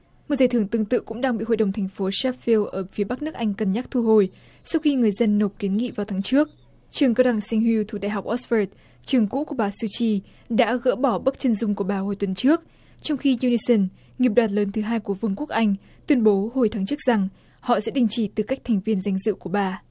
một giải thưởng tương tự cũng đang bị hội đồng thành phố séc phiu ở phía bắc nước anh cân nhắc thu hồi sau khi người dân nộp kiến nghị vào tháng trước trường cao đẳng sinh hiu thuộc đại học ót phợt trường cũ của bà su chi đã gỡ bỏ bức chân dung của bà hồi tuần trước trong khi nây sừn nghiệp đoàn lớn thứ hai của vương quốc anh tuyên bố hồi tháng trước rằng họ sẽ đình chỉ tư cách thành viên danh dự của bà